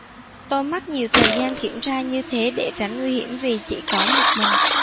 tôi mất nhiều thời gian kiểm tra như thế để tránh nguy hiểm vì chỉ có một mình